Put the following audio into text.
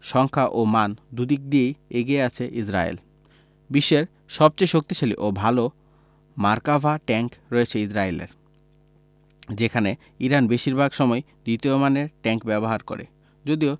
সংখ্যা ও মান দুদিক দিয়েই এগিয়ে আছে ইসরায়েল বিশ্বের সবচেয়ে শক্তিশালী ও ভালো মার্কাভা ট্যাংক রয়েছে ইসরায়েলের সেখানে ইরান বেশির ভাগ সময় দ্বিতীয় মানের ট্যাংক ব্যবহার করে যদিও